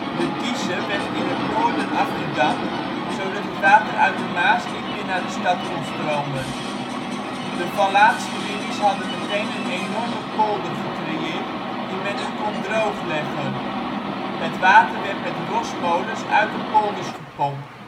De Dieze werd in het noorden afgedamd, zodat het water uit de Maas niet meer naar de stad kon stromen. De vallatielinies hadden meteen een enorme polder gecreëerd, die men nu kon droogleggen. Het water werd met rosmolens uit de polders gepompt